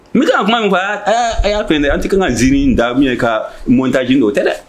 N bɛ kan ka kuma min fɔ a ya a y'a fɛn dɛ an tɛ kan ka nsiirin da ou bien ka montage nin, o tɛ dɛ!